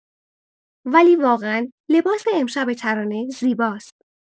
ولی واقعا لباس امشب ترانه زیباست.